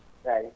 eeyi